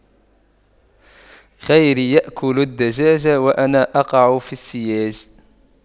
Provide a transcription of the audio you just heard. غيري يأكل الدجاج وأنا أقع في السياج